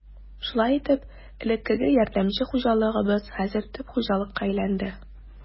Шулай итеп, элеккеге ярдәмче хуҗалыгыбыз хәзер төп хуҗалыкка әйләнде.